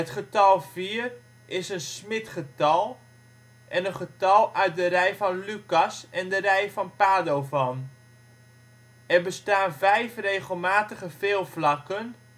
getal 4 is een Smithgetal en een getal uit de rij van Lucas en de rij van Padovan. Er bestaan vijf regelmatige veelvlakken